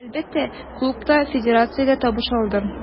Әлбәттә, клуб та, федерация дә табыш алды.